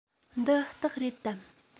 འདི སྟག རེད དམ